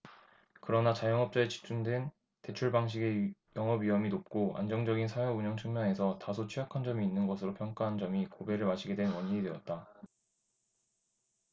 그러나 자영업자에 집중된 대출방식의 영업위험이 높고 안정적인 사업운영 측면에서 다소 취약한 점이 있는 것으로 평가한 점이 고배를 마시게 된 원인이 됐다